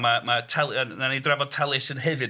Ma' ma' tali- yy wnawn ni drafod Taliesin hefyd.